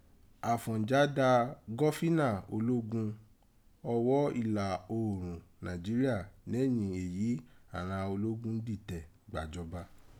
Àfọ̀njá dà gọfìnà ologun ọwọ́ ilà oorun Naijiria nẹ̀yin èyí àghan ológun dìtẹ̀ gbàjọba.